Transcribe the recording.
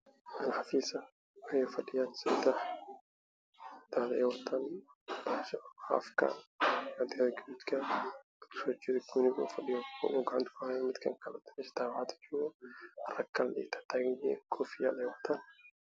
Waa xafiis waxaa joogo niman waatan shaatiyo guduud cadaan